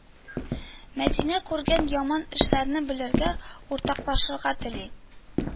Мәдинә күргән яман эшләрне белергә, уртаклашырга тели